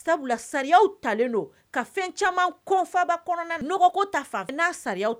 Sabula sariyaw talen do ka fɛn caman kɔn faaba kɔnɔna na nɔgɔ ta fanfɛla la